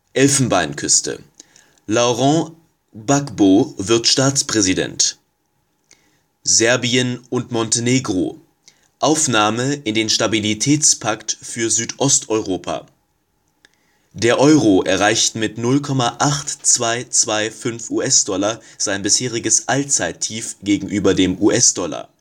Elfenbeinküste: Laurent Gbagbo wird Staatspräsident. Serbien und Montenegro: Aufnahme in den Stabilitätspakt für Südosteuropa. Der Euro erreicht mit 0,8225 US-Dollar sein bisheriges Allzeittief gegenüber dem US-Dollar